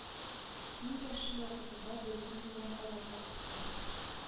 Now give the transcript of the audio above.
Мин яшен вакытында берүзем генә калырга куркам